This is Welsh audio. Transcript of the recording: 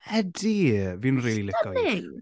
Ydy, fi'n rili licio... stunning ...hi.